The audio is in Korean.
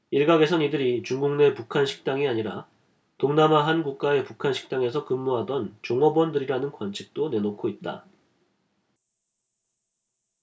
일각에선 이들이 중국내 북한 식당이 아니라 동남아 한 국가의 북한 식당에서 근무하던 종업원들이라는 관측도 내놓고 있다